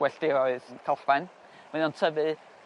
gwelldiroedd calchfain mae o'n tyfu